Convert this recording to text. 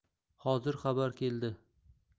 hozir xabar keldi